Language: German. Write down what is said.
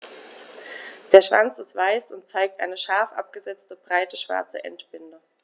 Der Schwanz ist weiß und zeigt eine scharf abgesetzte, breite schwarze Endbinde.